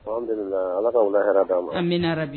Alhamdu lilaahi allah wula hɛrɛ d'an ma.